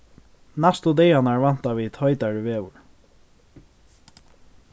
næstu dagarnar vænta vit heitari veður